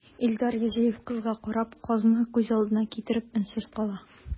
Илдар Юзеев, кызга карап, казны күз алдына китереп, өнсез кала.